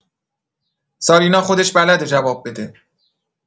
سارینا خودش بلده جواب بده